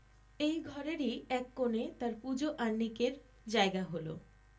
এই ঘরেরই এক কোণে তাঁর পূজো আহ্নিকের জায়গা হলো